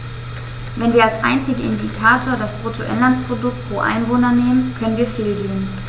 Wenn wir als einzigen Indikator das Bruttoinlandsprodukt pro Einwohner nehmen, können wir fehlgehen.